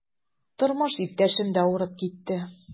Тормыш иптәшем дә авырып китте.